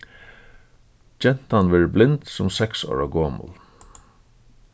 gentan verður blind sum seks ára gomul